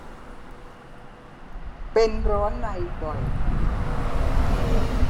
เป็นร้อนในบ่อย